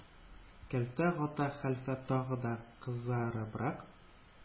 Кәлтә Гата хәлфә тагы да кызарыбрак,